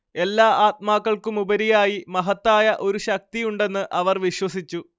എല്ലാ ആത്മാക്കൾക്കുമുപരിയായി മഹത്തായ ഒരു ശക്തിയുണ്ടെന്ന് അവർ വിശ്വസിച്ചു